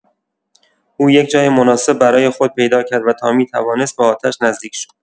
او یک جای مناسب برای خود پیدا کرد و تا می‌توانست به آتش نزدیک شد.